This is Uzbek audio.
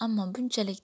ammo bunchalik